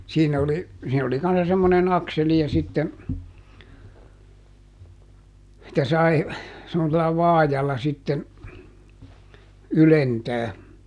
siinä oli siinä oli kanssa semmoinen akseli ja sitten että sai semmoisella vaajalla sitten ylentää